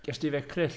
Gest ti fecryll?